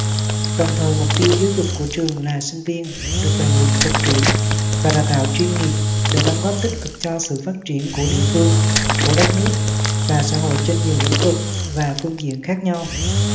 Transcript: đồng thời mục tiêu giáo dục của trường là sinh viên được rèn luyện thực tiễn và đào tạo chuyên nghiệp để đóng góp tích cực cho sự phát triển của địa phương của đất nước và xã hội trên nhiều lĩnh vực và phương diện khác nhau